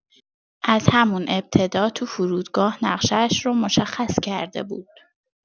از همون ابتدا تو فرودگاه نقشه‌اش رو مشخص کرده بود.